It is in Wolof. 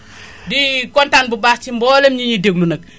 di kontaan bu baax si mbooleem ñi ñuy déglu nag